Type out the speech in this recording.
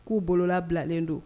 K'u bolola bilalen don